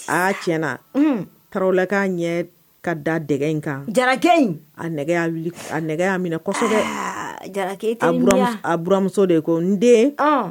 Aa tiɲɛ na Tarawelelaka ɲɛ ka da dɛgɛ in kan. Jara kɛ in! A nege y'a wuli, a nege y'a minɛ kosɛbɛ. Aa Jarakɛ i tɛ nin di yan. A buramuso de ko nden!